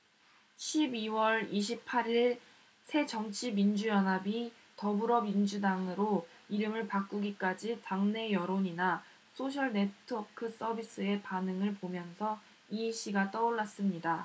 십 이 월 이십 팔 일 새정치민주연합이 더불어민주당으로 이름을 바꾸기까지 당내 여론이나 소셜네트워크서비스의 반응을 보면서 이 시가 떠올랐습니다